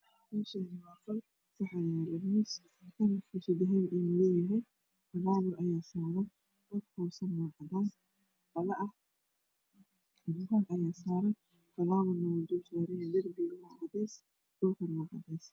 Meshaani waa qol waxaa yala miis kalarkiisu yahay madoow iyo dahabi falawar ayaa saran dhulka hoosana waa cadan dhala ah bugag ayaa saran falawarna wuu dul aaran yahay derbigana waa cadees dhulkana waaa cadeees